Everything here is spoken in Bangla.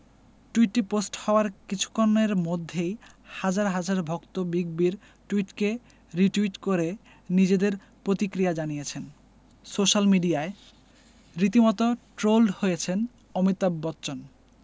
টুইটটি পোস্ট হওয়ার কিছুক্ষণের মধ্যেই হাজার হাজার ভক্ত বিগ বির টুইটকে রিটুইট করে নিজেদের প্রতিক্রিয়া জানিয়েছেন সোশ্যাল মিডিয়ায় রীতিমতো ট্রোলড হয়েছেন অমিতাভ বচ্চন